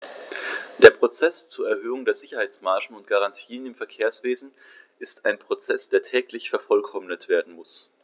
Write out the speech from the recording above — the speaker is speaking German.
Der Prozess zur Erhöhung der Sicherheitsmargen und -garantien im Verkehrswesen ist ein Prozess, der täglich vervollkommnet werden muss.